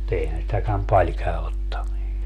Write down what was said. mutta eihän sitäkään paljon käy ottaminen